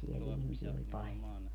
siellä ihmisiä oli paljon